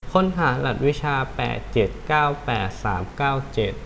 ค้นหารหัสวิชาแปดเจ็ดเก้าแปดสามเก้าเจ็ด